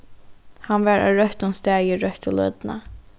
hann var á røttum staði røttu løtuna